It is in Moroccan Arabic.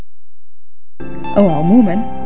عموما